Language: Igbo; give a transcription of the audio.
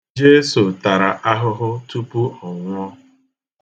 Jeso tara ahụhụ tupu o nwụọ.